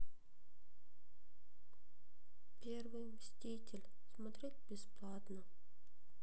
первый мститель смотреть бесплатно